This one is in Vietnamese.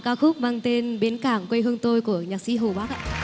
ca khúc mang tên bến cảng quê hương tôi của nhạc sĩ hồ bắc ạ